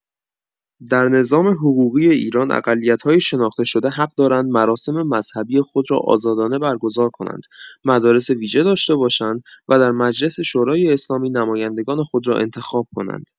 در نظام حقوقی ایران، اقلیت‌های شناخته‌شده حق دارند مراسم مذهبی خود را آزادانه برگزار کنند، مدارس ویژه داشته باشند و در مجلس شورای اسلامی نمایندگان خود را انتخاب کنند.